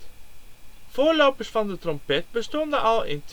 Voorlopers van de trompet bestonden al in